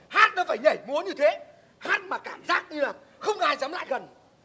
hát nó phải nhảy múa như thế hát mà cảm giác như là không ai dám lại gần